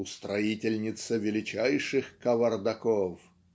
"устроительница величайших кавардаков"